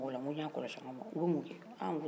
aa n ko seli ka di u ye ala ko ka di u ye